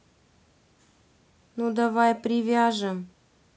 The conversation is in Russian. ну давай привяжем